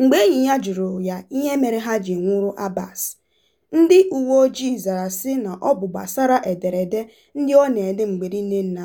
Mgbe enyi ya jụrụ ya ihe mere ha ji nwuru Abbass, ndị uweojii zara sị na ọ bụ gbasara ederede ndị ọ na-ede mgbe niile na